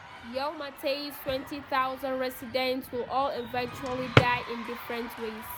Yau Ma Tei's 20,000 residents will all eventually die in different ways.